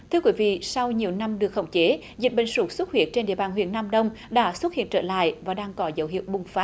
thưa quý vị sau nhiều năm được khống chế dịch bệnh sốt xuất huyết trên địa bàn huyện nam đông đã xuất hiện trở lại và đang có dấu hiệu bùng phát